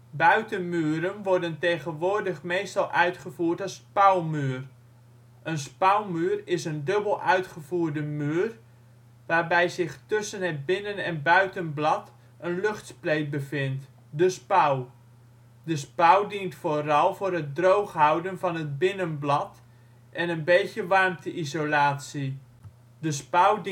Buitenmuren worden tegenwoordig meestal uitgevoerd als spouwmuur. Een spouwmuur is een dubbel uitgevoerde muur, waarbij zich tussen het binnen - en buitenblad een luchtspleet bevindt, de spouw. De spouw dient vooral voor het drooghouden van het binnenblad en een beetje warmte-isolatie. De spouw